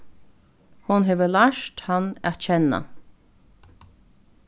hon hevur lært hann at kenna